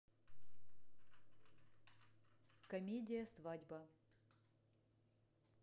комедия свадьба